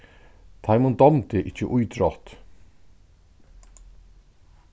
teimum dámdi ikki ítrótt